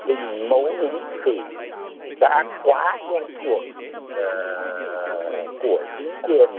hình mẫu ứng xử đã quá quen thuộc của chính quyền